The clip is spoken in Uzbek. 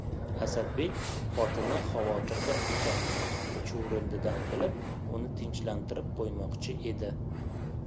asadbek xotini xavotirda ekanini chuvrindidan bilib uni tinchlantirib qo'ymoqchi edi